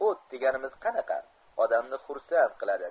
o't deganimiz qanaqa odamni xursand qiladi